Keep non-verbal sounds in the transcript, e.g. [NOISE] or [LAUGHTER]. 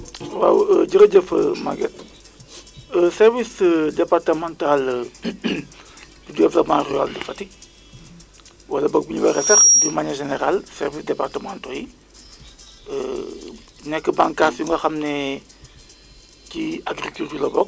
ñoom dañuy établir ce qu' on appelle donc la carte variétale carte variétale boobu boo ko déggee [HESITATION] supposons bu ñu ñëwee léegi si région de Fatick dañuy xool kat ni en général boo xoolee par exemple les normal maanaam boo ko boo jëlee par exemple fii ak fanweeri at ci kanam xam nga